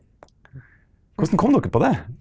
hvordan kom dere på det?